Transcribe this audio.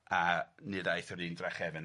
A nid aeth yr un drachefn.